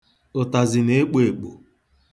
Ụtazị na-ekpo ekpo.